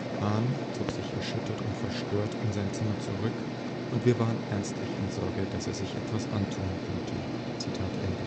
Hahn zog sich erschüttert und verstört in sein Zimmer zurück, und wir waren ernstlich in Sorge, dass er sich etwas antun könnte. “In